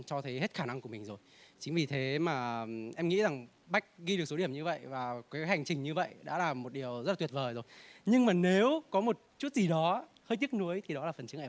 cho thấy hết khả năng của mình rồi chính vì thế mà em nghĩ rằng bách ghi được số điểm như vậy và cái hành trình như vậy đã là một điều rất là tuyệt vời rồi nhưng mà nếu có một chút gì đó hơi tiếc nuối thì đó là phần chướng